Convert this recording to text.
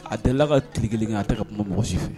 A delila ka tile 1 kɛ a tɛ ka kuma mɔgɔ si fɛ.